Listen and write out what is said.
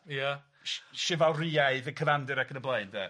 Ia. Shifalriaidd yn cyfandir ac yn y blaen de?